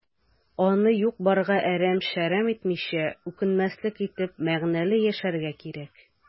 Аны юк-барга әрәм-шәрәм итмичә, үкенмәслек итеп, мәгънәле яшәргә кирәк.